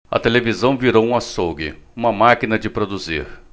a televisão virou um açougue uma máquina de produzir